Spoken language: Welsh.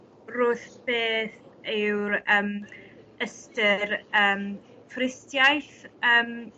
rwth beth yw'r yym ystyr yym twristiaeth yym